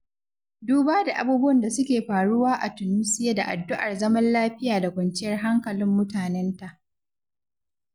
Duba da abubuwan da suke faruwa a #Tunisia da addu'ar zaman lafiya da kwanciyar hankalin mutanenta.